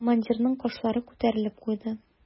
Командирның кашлары күтәрелеп куйды.